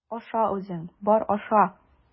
Аша үзең, бар, аша!